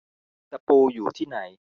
ตะปูอยู่ที่ไหน